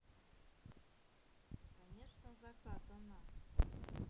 конечно заката на